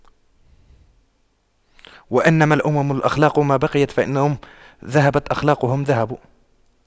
وإنما الأمم الأخلاق ما بقيت فإن هم ذهبت أخلاقهم ذهبوا